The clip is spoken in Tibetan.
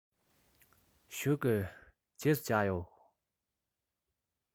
བཞུགས དགོས རྗེས སུ མཇལ ཡོང